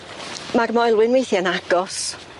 Ma'r moelwyn weithie'n agos.